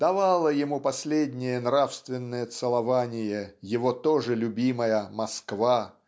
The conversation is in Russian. давала ему последнее нравственное целование его тоже любимая Москва